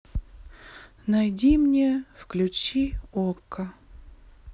найди мне включи окко